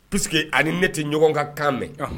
Pseke que ani ne tɛ ɲɔgɔn kan kan mɛn